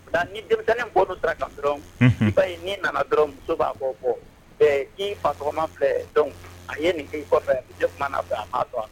Nka ni denmisɛn bɔ dɔ da ka siran nana dɔrɔn muso b'a bɔ fɔ i fa tɔgɔma fɛ dɔn a ye nin kin kɔfɛ na bila dɔn